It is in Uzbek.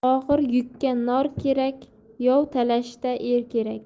og'ir yukka nor kerak yov talashda er kerak